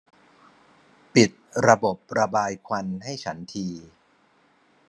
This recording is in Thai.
ปิดระบบระบายควันให้ฉันที